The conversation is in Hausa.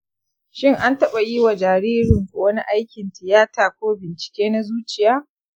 shin, an taɓa yi wa jaririn ku wani aikin tiyata ko bincike na zuciya?